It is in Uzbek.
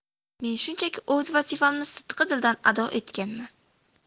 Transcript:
men shunchaki o'z vazifamni sidqidildan ado etganman